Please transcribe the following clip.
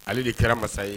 Ale de kɛra masa ye